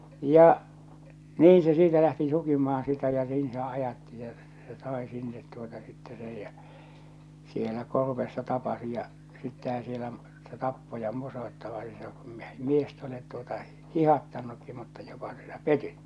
ja niin se siitä lähti sukimaan sitä ja niin se ajatti se se sai sinne tuota sitten sen ja siellä korvessa tapasi ja sitten siellä se tappoi ja niin se kun miestä olet tuota hiihdättänytkin mutta jopa sinä petyt tuota